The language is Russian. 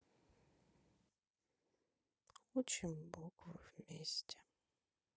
учим буквы вместе